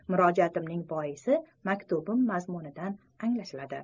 murojaatimning boisi maktubim mazmunidan anglashiladi